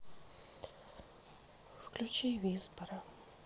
включи визбора